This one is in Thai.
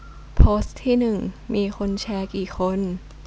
โพสต์ที่หนึ่งมีคนแชร์กี่คน